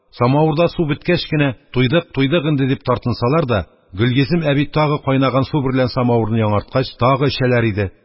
Самавырда су беткәч кенә: «туйдык, туйдык инде», – дип тартынсалар да, гөлйөзем әби тагы кайнаган су берлән самавырны яңарткач, тагы эчәләр иде.